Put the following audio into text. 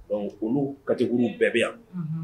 Dɔnku olu katikuru bɛɛ bɛ yan